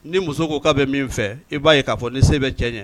Ni muso ko'a bɛ min fɛ i b'a ye k' fɔ ni se bɛ cɛ ɲɛ